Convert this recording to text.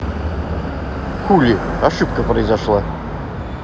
хули ошибка произошла